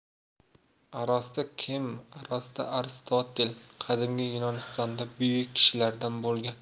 arastu kim arastu aristotel qadimgi yunonistonda buyuk kishilardan bo'lgan